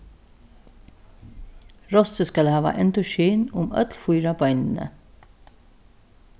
rossið skal hava endurskin um øll fýra beinini